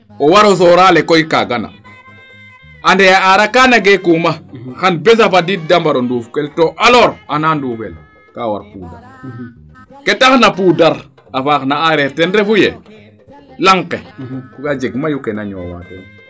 o waro soorale koy kaaga na ande a arakaana geekuma xan besa fadiid de mbaro nduuf kel to alors ana nduufel kaa war poudre ke taxna poudre a faax na areer ten refuye laŋ ke kaa jeg mayu keena ñoowa teen